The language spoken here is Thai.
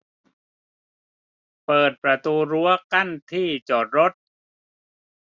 เปิดประตูรั้วกั้นที่จอดรถ